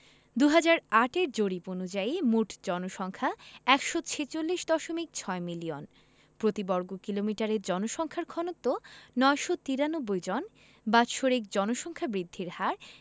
২০০৮ এর জরিপ অনুযায়ী মোট জনসংখ্যা ১৪৬দশমিক ৬ মিলিয়ন প্রতি বর্গ কিলোমিটারে জনসংখ্যার ঘনত্ব ৯৯৩ জন বাৎসরিক জনসংখ্যা বৃদ্ধির হার